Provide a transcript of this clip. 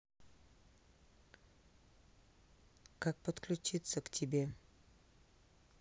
как подключиться к тебе